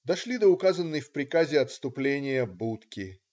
" Дошли до указанной в приказе отступления будки.